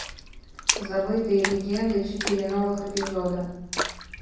забытые легенды четыре новых эпизода